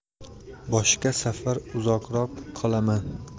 boshqa safar uzoqroq qolarman